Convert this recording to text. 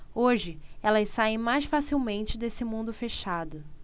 hoje elas saem mais facilmente desse mundo fechado